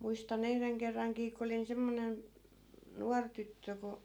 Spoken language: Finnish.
muistan yhden kerrankin kun olin semmoinen nuori tyttö kun